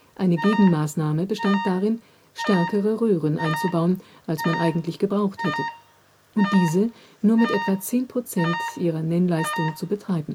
Eine Gegenmaßnahme bestand darin, stärkere Röhren einzubauen, als man eigentlich gebraucht hätte, und diese nur mit etwa 10 % ihrer Nennleistung zu betreiben